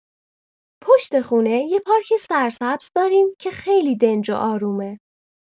پشت خونه یه پارک سرسبز داریم که خیلی دنج و آرومه.